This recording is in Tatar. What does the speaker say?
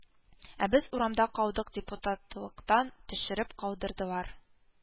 Ә без урамда калдык депутатлыктан төшереп калдырдылар